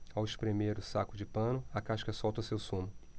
ao espremer o saco de pano a casca solta seu sumo